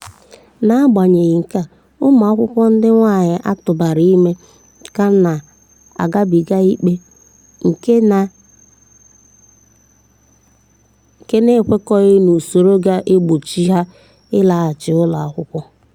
Na-agbanyeghị nke a, ụmụakwukwọ ndị nwaanyị a tụbara ime ka na-agabiga ikpe nke na-ekwekọghị n'usoro na-egbochi ha ịlaghachi ụlọakwụkwọ.